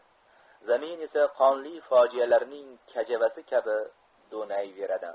zamin esa qonli fojialarning kajavasi kabi do'naveradi